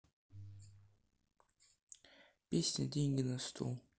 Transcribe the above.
песня деньги на стол